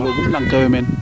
foogum laŋ ke way meen